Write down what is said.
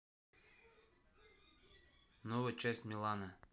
новая часть милана